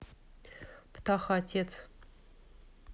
птаха отец